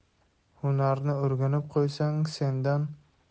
hunarni o'rganib qo'ysang